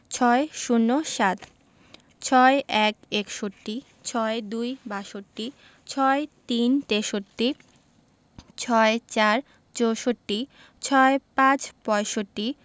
৬০ - ষাট ৬১ – একষট্টি ৬২ – বাষট্টি ৬৩ – তেষট্টি ৬৪ – চৌষট্টি ৬৫ – পয়ষট্টি